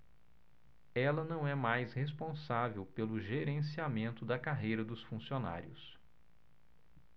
ela não é mais responsável pelo gerenciamento da carreira dos funcionários